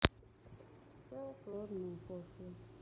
все сложно пошло